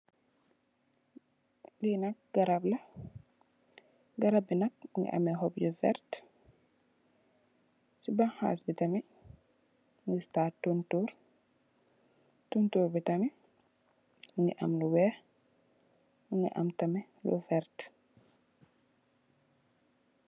Li nak garap la, garap bi nak mungii ameh xop yu werta, ci banxas bi nak mungii am tontorr, tontorr bi tamid mungii am lu wèèx mugii am tamid lu werta .